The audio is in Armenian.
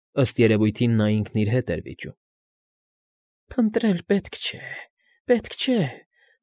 Ըստ երևույթին նա ինքն իր հետ էր վիճում։ ֊ Փնտրել պետք չ֊չ֊չէ, պետք չ֊չ֊չէ։